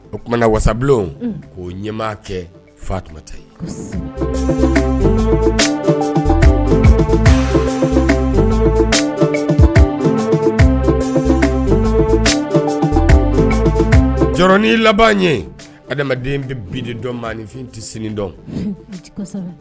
O tumana wasabilen' ɲɛ kɛ fatumata ye jɔin laban ye adamaden bɛ bi dɔn maafin tɛ sini dɔn